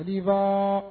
Jeliba